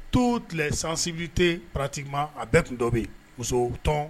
To tile sansibite paratima a bɛɛ tun dɔ bɛ musotɔn